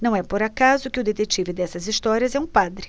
não é por acaso que o detetive dessas histórias é um padre